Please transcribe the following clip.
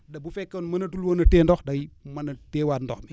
te bu fekkoon mënatul woon a téye ndox day mën a téyewaat ndox mi